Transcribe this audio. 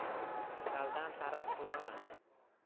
kaldan taroq so'rama